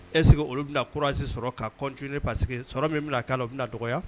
Ɛse olu bɛna na kurasi sɔrɔ ka ne parceseke sɔrɔ min' bɛna na dɔgɔ